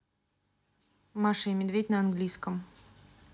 маша и медведь на английском